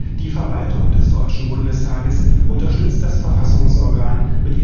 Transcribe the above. Die Verwaltung des Deutschen Bundestages unterstützt das Verfassungsorgan mit